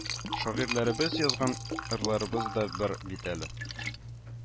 Шагыйрьләребез язган ырларыбыз да бар бит әле